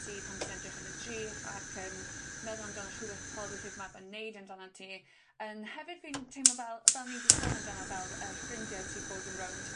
ti pan ti'n edrych yn y drych ac yn meddwl amdano rhwbeth bositif ma' fe'n neud amdanat ti. Yym hefyd fi'n teimlo fel fel ni'n 'di sôn amdano fel y ffrindiau ti bod yn rownd,